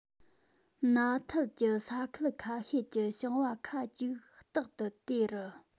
ན ཐལ གྱི ས ཁུལ ཁ ཤས ཀྱི ཞིང བ ཁ ཅིག རྟག ཏུ དེ རུ